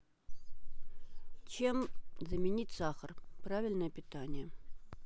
чем заменить сахар правильное питание